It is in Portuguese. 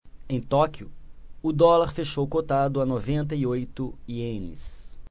em tóquio o dólar fechou cotado a noventa e oito ienes